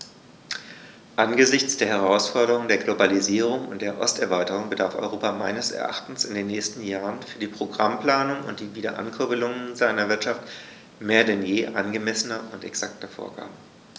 Angesichts der Herausforderung der Globalisierung und der Osterweiterung bedarf Europa meines Erachtens in den nächsten Jahren für die Programmplanung und die Wiederankurbelung seiner Wirtschaft mehr denn je angemessener und exakter Vorgaben.